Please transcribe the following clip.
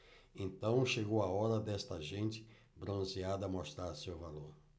então chegou a hora desta gente bronzeada mostrar seu valor